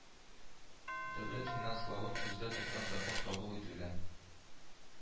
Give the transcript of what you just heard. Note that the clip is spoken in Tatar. Дәүләт финанславын күздә тоткан закон кабул ителгән